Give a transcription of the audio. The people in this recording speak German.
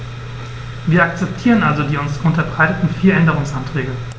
Wir akzeptieren also die uns unterbreiteten vier Änderungsanträge.